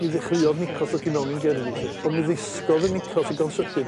mi ddechreuodd nicos dot i mewn i'n gerddi 'lly. On' mi ddisgodd y nicos ddigon sydyn